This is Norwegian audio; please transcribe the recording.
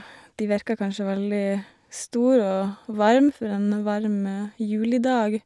De virker kanskje veldig stor og varm for en varm julidag.